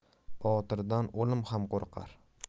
botirdan o'lim ham qo'rqar